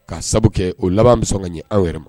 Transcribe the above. K'a sababu kɛ o laban bɛ sɔn ka ɲa anw yɛrɛ ma.